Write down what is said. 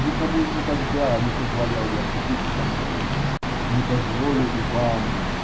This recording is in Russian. Никому и никогда не позволял я шутить со мною, не позволю и вам!